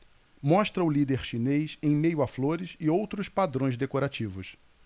mostra o líder chinês em meio a flores e outros padrões decorativos